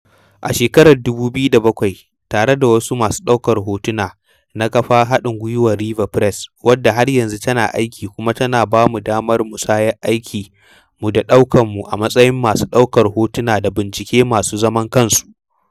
A shekarar 2007, tare da wasu masu ɗaukar hotuna, na kafa haɗin gwiwarmu, RIVA PRESS, wadda har yanzu tana aiki kuma tana ba mu damar musayar aikin mu da daukar mu a matsayin masu daukar hotuna da bincike masu zaman kansu.